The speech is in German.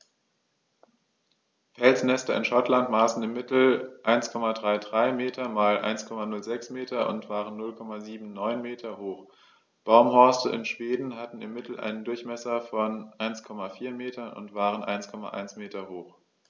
Felsnester in Schottland maßen im Mittel 1,33 m x 1,06 m und waren 0,79 m hoch, Baumhorste in Schweden hatten im Mittel einen Durchmesser von 1,4 m und waren 1,1 m hoch.